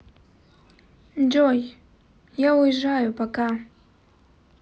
джой я уезжаю пока